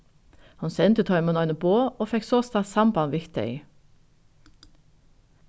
hon sendi teimum eini boð og fekk sostatt samband við tey